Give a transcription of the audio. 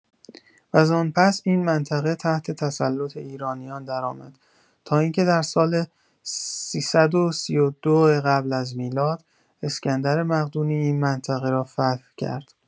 و زان پس این منطقه تحت تسلط ایرانیان درآمد تا اینکه در سال ۳۳۲ قبل از میلاد، اسکندر مقدونی این منطقه را فتح کرد.